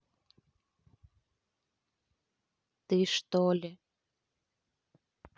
ты что ли